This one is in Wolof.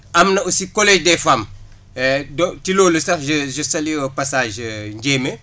am na aussi collège des femmes dont ci loolu sax j' ai je salue au passage Ndiémé